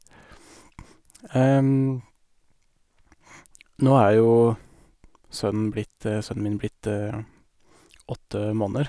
Nå er jo sønnen blitt sønnen min blitt åtte måneder.